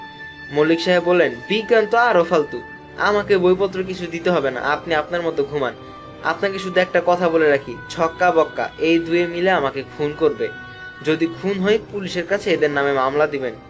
মল্লিক সাহেব বললেন বিজ্ঞান তো আরো ফালতু আমাকে বইপত্র কিছু দিতে হবে না আপনি আপনার মত ঘুমান আপনাকে শুধু একটা কথা বলে রাখি ছক্কা বক্কা এই ২ মিলে আমাকে খুন করবে যদি খুন হই পুলিশের কাছে এদের নামে মামলা দিবেন